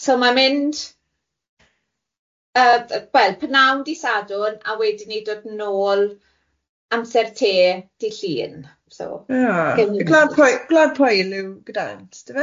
So mae'n mynd, yy wel pnawn dydd Sadwrn a wedyn ni'n dod nôl amser tê dydd Llun so... Ia glad po- glad Pwyl yw Godansg dyfe?